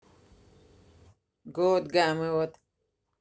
good game от